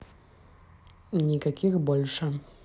никаких больше